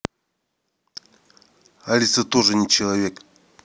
алиса тоже не человек